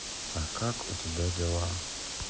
а как у тебя дела